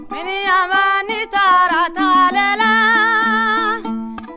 miniyanba n'i taara taa le la